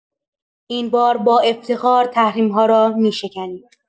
این بار با افتخار تحریم‌ها را می‌شکنیم.